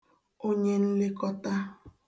onyenlekọta